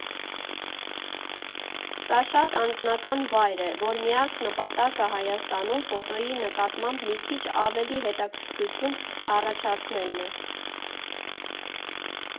«Սա շատ անձնական վայր է, որ միակ նպատակը Հայաստանում ֆոտոյի նկատմամբ մի քիչ ավելի հետաքրքրություն առաջացնելն է։